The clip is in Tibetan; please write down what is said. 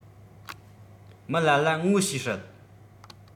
མི ལ ལ ངོ ཤེས སྲིད